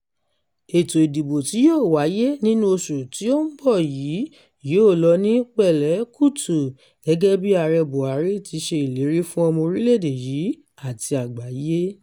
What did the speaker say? Ètò ìdìbò tí yóò wáyé nínú osù tí ó ń bọ̀ yìí yóò lọ ní pẹ̀lẹ́-kùtù, gẹ́gẹ́ bí Ààrẹ Buhari ti ṣe ìlérí fún ọmọ orílẹ̀-èdè yìí àti àgbáyé.